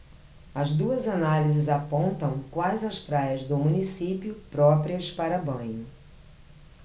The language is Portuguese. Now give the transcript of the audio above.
as duas análises apontam quais as praias do município próprias para banho